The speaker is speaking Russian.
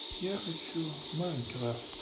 я хочу майнкрафт